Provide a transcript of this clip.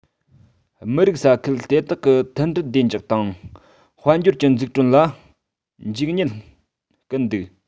མི རིགས ས ཁུལ དེ དག གི མཐུན སྒྲིལ བདེ འཇགས དང དཔལ འབྱོར གྱི འཛུགས སྐྲུན ལ འཇིགས ཉེན སྐུལ འདུག